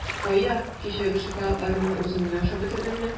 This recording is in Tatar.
Кая, кичәге шоколадларыңны үзең генә ашап бетердеңме?